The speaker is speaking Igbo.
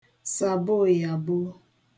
sàboòyàbo